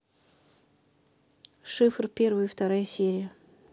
шифр первая и вторая серия